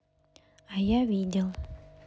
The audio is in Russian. а я видел